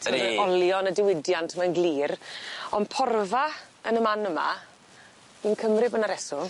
Ydi. T'mod yr olion y diwydiant 'ma'n glir on' porfa yn y man yma fi'n cymryd bo' 'na reswm.